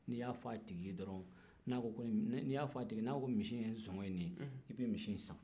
n'i y'a f'a tigi ye dɔrɔn n'a ko misi in sɔngɔ ye nin ye i bɛ misi in san